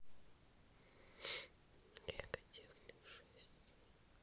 лего техник шесть